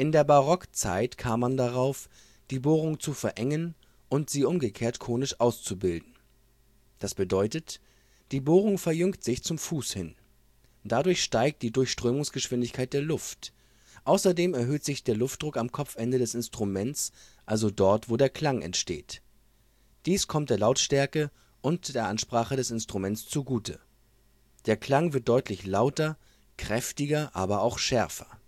der Barockzeit kam man darauf, die Bohrung zu verengen und sie umgekehrt konisch auszubilden. Das bedeutet: Die Bohrung verjüngt sich zum Fuß hin. Dadurch steigt die Durchströmgeschwindigkeit der Luft; außerdem erhöht sich der Luftdruck am Kopfende des Instruments, also dort, wo der Klang entsteht. Dies kommt der Lautstärke und der Ansprache des Instruments zugute: Der Klang wird deutlich lauter, kräftiger, aber auch schärfer